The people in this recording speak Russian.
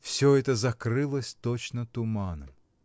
Всё это закрылось точно туманом.